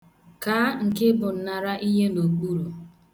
Kaa nke bụ nnara ihe n'okpuru.